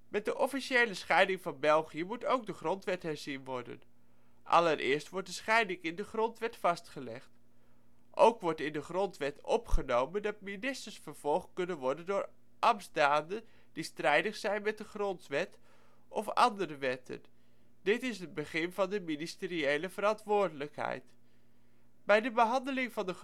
Met de officiële scheiding van België moet ook de Grondwet herzien worden. Allereerst wordt de scheiding in de Grondwet vastgelegd. Ook wordt in de Grondwet opgenomen dat ministers vervolgd kunnen worden voor ambtsdaden die strijdig zijn met de Grondwet of andere wetten, dit is het begin van de ministeriële verantwoordelijkheid. Bij de behandeling van de